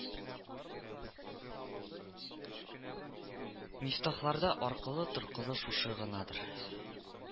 – мифтахларда аркылы-торкылы шушы гынадыр